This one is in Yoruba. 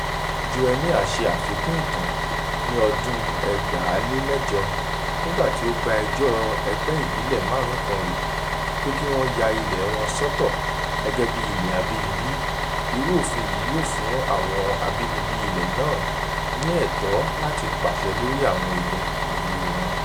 Joênia ṣe àfikún ìtàn ní ọdún-un 2008 nígbà tí ó gba ẹjọ́ ẹgbẹ́ ìbílẹ̀ márùn-ún kan rò, pé kí wọn ya ilẹ̀ẹ wọn sọ́tọ̀ gẹ́gẹ́ bí ilẹ̀ abínibí, irú òfin tí yóò fún àwọn abínibí ilẹ̀ náà ní ẹ̀tọ́ láti pàṣẹ lórí àwọn ilẹ̀ ìlúu wọn.